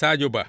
Sadio Ba